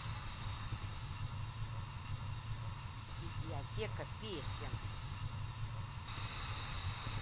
идиотека песен